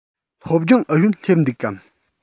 སློབ སྦྱོང ཨུ ཡོན སླེབས འདུག གམ